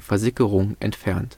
(Versickerung) entfernt